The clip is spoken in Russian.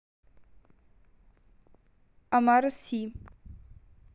омар си